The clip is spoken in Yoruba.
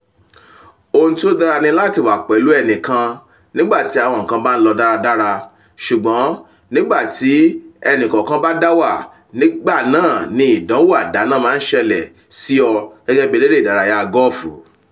Ohun tí ó dára ni láti wà pẹ̀lú enìkan nígbàtí àwọn n[kan bá ńlọ dáradára, ṣùgbọ́n, nígbàtí o ẹ̀nìkọ̀ọ̀kan bá dá wà, nigbànáa ní ìdánwò àdánán máa ṣẹ̀lẹ̀ sí ọ̀ gẹ́gẹ́bí eléré ìdárayá gọ́ọ̀fù.